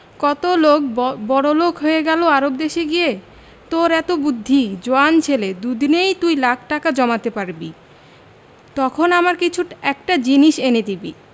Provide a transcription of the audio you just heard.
কত লোক ব বড়লোক হয়ে গেল আরব দেশে গিয়ে তোর এত বুদ্ধি জোয়ান ছেলে দুদিনেই তুই লাখ টাকা জমাতে পারবি তখন আমার কিছু একটা জিনিস এনে দিবি